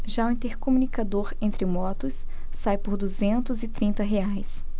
já o intercomunicador entre motos sai por duzentos e trinta reais